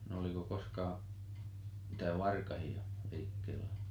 no oliko koskaan mitään varkaita liikkeellä